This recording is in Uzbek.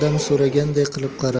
yordam so'raganday qilib qaradi